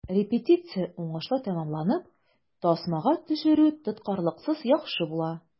Репетиция уңышлы тәмамланып, тасмага төшерү тоткарлыксыз яхшы була.